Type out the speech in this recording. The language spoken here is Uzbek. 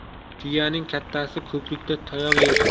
tuyaning kattasi ko'prikda tayoq yer